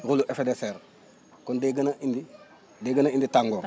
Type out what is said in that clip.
rôle lu effet de serre kon day gën a indi day gën a indi tàngoor